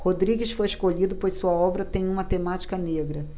rodrigues foi escolhido pois sua obra tem uma temática negra